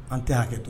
An tɛ y'a kɛ to